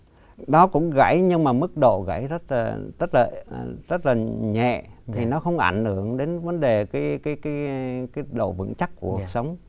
nó cũng gãy nhưng mà mức độ gãy rất là rất là rất là nhẹ thì nó không ảnh hưởng đến vấn đề cái cái cái cái độ vững chắc của cột sống